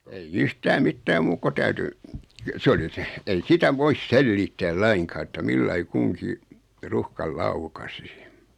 ei yhtään mitään muuta kun täytyi se oli se ei sitä voi selittää lainkaan että millä lailla kunkin ruuhkan laukaisisi